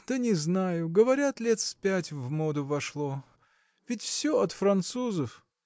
– Да не знаю, говорят, лет с пять в моду вошло ведь все от французов.